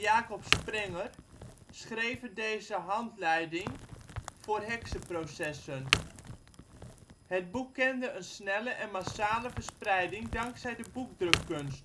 Jacob Sprenger schreven deze handleiding voor heksenprocessen. Het boek kende een snelle en massale verspreiding dankzij de boekdrukkunst.